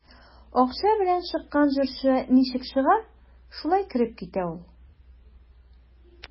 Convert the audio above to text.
Акча белән чыккан җырчы ничек чыга, шулай кереп китә ул.